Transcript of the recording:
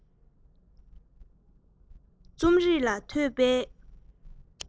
རྩོམ རིག ལ ཐོས པའི